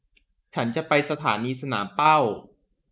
ฉันจะไปสถานีสนามเป้า